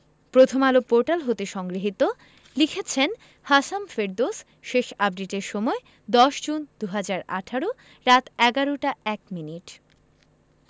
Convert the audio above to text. Prothom Alo portal হতে সংগৃহীত লিখেছেন হাসাম ফেরদৌস শেষ আপডেটের সময় ১০ জুন ২০১৮ রাত ১১টা ১ মিনিট